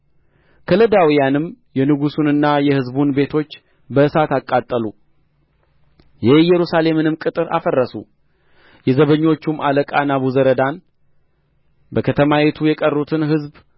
ከለዳውያንም የንጉሡንና የሕዝቡን ቤቶች በእሳት አቃጠሉ የኢየሩሳሌምንም ቅጥር አፈረሱ የዘበኞቹም አለቃ ናቡዘረዳን በከተማይቱ የቀሩትን ሕዝብ